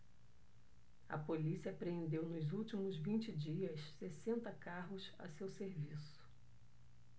a polícia apreendeu nos últimos vinte dias sessenta carros a seu serviço